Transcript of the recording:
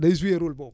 day joué rôle boobu